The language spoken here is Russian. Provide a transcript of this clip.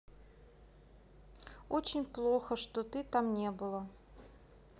очень плохо что ты там не было